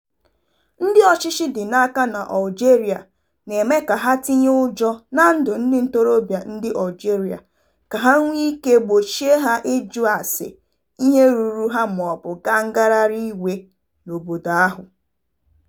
Ndị ọchịchị dị n'aka n'Algeria na-eme ka ha tinye ụjọ na ndụ ndị ntorobịa ndị Algeria ka ha nwee ike gbochie há ịjụ ase ihe ruru ha maọbụ gaa ngagharị iwe n'obodo ahụ.